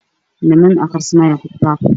Waa niman aqrisanaayo kitaab.